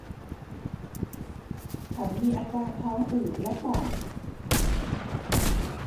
ฉันมีอาการท้องอืดและป่อง